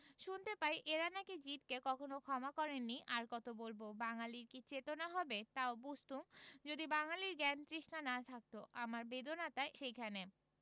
শুনতে পাই এঁরা নাকি জিদকে কখনো ক্ষমা করেন নি আর কত বলব বাঙালীর কি চেতনা হবে তাও বুঝতুম যদি বাঙালীর জ্ঞানতৃষ্ণা না থাকত আমার বেদনাটা সেইখানে